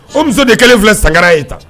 O muso de kelen filɛ sanra ye tan